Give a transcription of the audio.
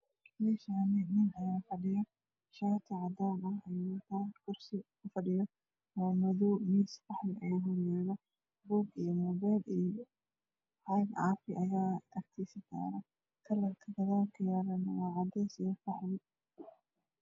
Meeshaani nin Aya fadhiyo cimaamado miis qaxwi Aya horyaalo kalarka gadaal waa cadays qaxwi